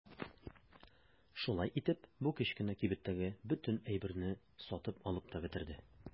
Шулай итеп бу кечкенә кибеттәге бөтен әйберне сатып алып та бетерде.